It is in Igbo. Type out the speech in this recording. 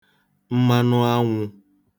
mmanụ anwụ̄